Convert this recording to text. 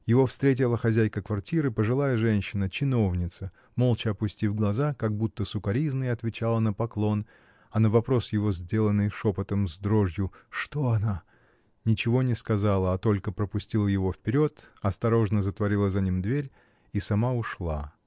Его встретила хозяйка квартиры, пожилая женщина, чиновница, молча, опустив глаза, как будто с укоризной отвечала на поклон, и на вопрос его, сделанный шепотом, с дрожью: “Что она?” — ничего не сказала, а только пропустила его вперед, осторожно затворила за ним дверь и сама ушла.